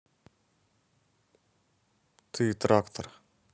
ты трактор